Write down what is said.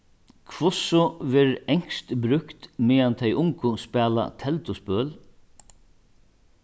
hvussu verður enskt brúkt meðan tey ungu spæla telduspøl